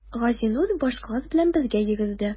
Газинур башкалар белән бергә йөгерде.